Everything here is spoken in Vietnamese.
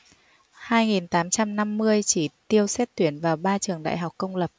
hai nghìn tám trăm năm mươi chỉ tiêu xét tuyển vào ba trường đại học công lập